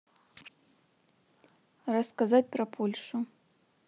рассказать про польшу